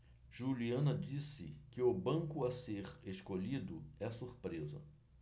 juliana disse que o banco a ser escolhido é surpresa